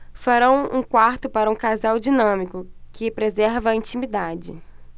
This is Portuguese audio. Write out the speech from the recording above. farão um quarto para um casal dinâmico que preserva a intimidade